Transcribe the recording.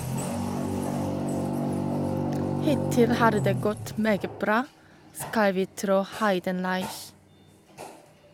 Hittil har det gått meget bra, skal vi tro Heidenreich.